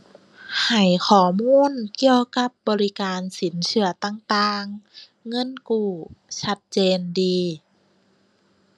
ให้ข้อมูลเกี่ยวกับบริการสินเชื่อต่างต่าง เงินกู้ชัดเจนดี